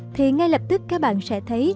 thì ngay lập tức các bạn sẽ thấy